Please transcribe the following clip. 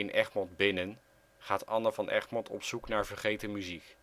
Egmond Binnen gaat Anne van Egmond op zoek naar vergeten muziek